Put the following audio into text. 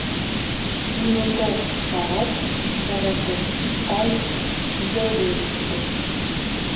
Минуты— сәгать, сәгате— ай, ел булып үтте.